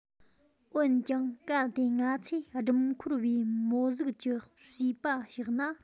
འོན ཀྱང གལ ཏེ ང ཚོས སྦྲུམ འཁོར བའི མོ གཟུགས ཀྱི གསུས པ གཤགས ན